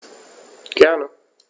Gerne.